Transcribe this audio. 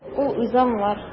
Ул үзе аңлар.